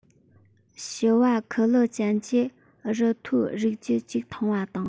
བྱི བ ཁུ ལུ ཅན གྱི རི མཐོའི རིགས རྒྱུད ཅིག མཐོང བ དང